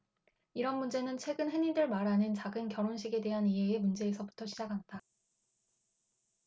이런 문제는 최근 흔히들 말하는 작은 결혼식에 대한 이해의 문제에서부터 시작한다